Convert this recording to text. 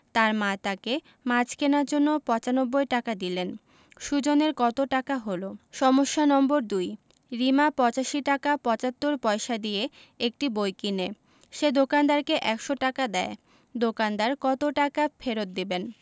তার মা তাকে মাছ কেনার জন্য ৯৫ টাকা দিলেন সুজনের কত টাকা হলো সমস্যা নম্বর ২ রিমা ৮৫ টাকা ৭৫ পয়সা দিয়ে একটি বই কিনে সে দোকানদারকে ১০০ টাকা দেয় দোকানদার কত টাকা ফেরত দেবেন